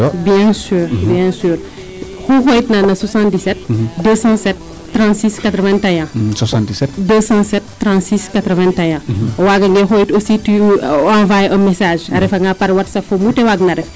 Bien sur oxu xoyit na no 77 2073681 772073681 o waagangee xoyit aussi o envoyer o message a refanga par watshap